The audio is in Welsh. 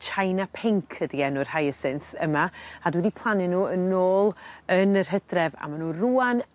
China pink ydi enw'r hyacinth yma a dwi 'di plannu n'w yn ôl yn yr Hydref a ma' n'w rŵan